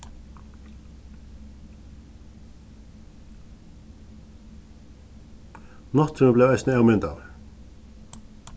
nátturðin bleiv eisini avmyndaður